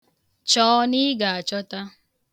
Chọọ na ị ga-achọta.